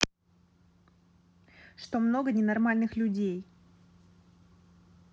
что много ненормальных людей